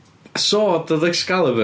Sword oedd Excalibur?